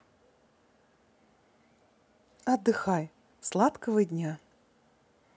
отдыхай сладкого дня